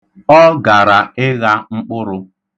Ọ gara ịgha mkpụrụ.